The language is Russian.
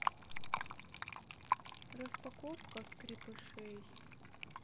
распаковка скрепышей